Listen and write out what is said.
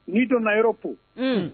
N'i donna yɔrɔ ko